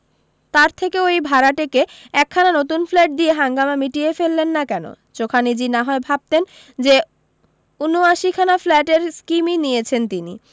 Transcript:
তার থেকে ওই ভাড়াটেকে একখানা নতুন ফ্ল্যাট দিয়ে হাঙ্গামা মিটিয়ে ফেললেন না কেন চোখানিজী না হয় ভাবতেন যে উঁনআশিখানা ফ্ল্যাটের স্কীমই নিয়েছেন তিনি